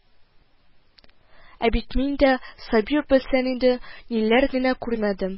Ә бит мин дә, Сабир, белсәң иде, ниләр генә күрмәдем